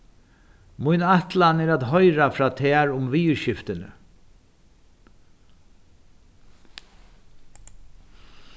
mín ætlan er at hoyra frá tær um viðurskiftini